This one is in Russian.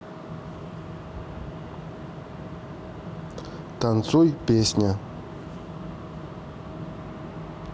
танцуй песня